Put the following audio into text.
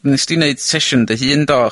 ...nes di neud sesiwn dy hun do?